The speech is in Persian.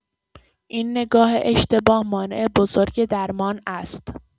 این نگاه اشتباه مانع بزرگ درمان است.